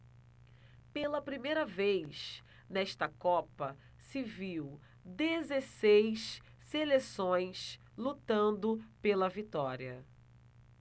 pela primeira vez nesta copa se viu dezesseis seleções lutando pela vitória